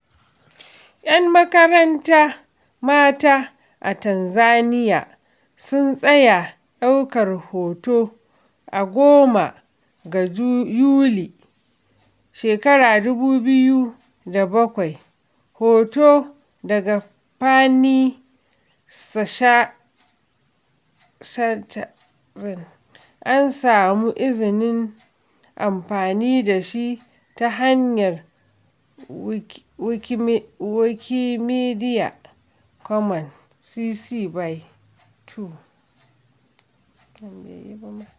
Yan makaranta mata a Tanzaniya sun tsaya ɗaukar hoto a 10 ga Yuli, 2007. Hoto daga Fanny Schertzer, an samu izinin amfani da shi ta hanyar Wikimedia Commons, CC BY 2.0.